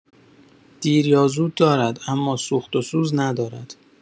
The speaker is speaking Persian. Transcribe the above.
دیر با زود دارد، اما سوخت و سوز ندارد!